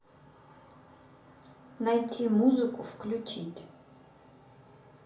найти музыку включить